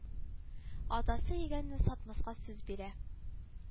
Атасы йөгәнне сатмаска сүз бирә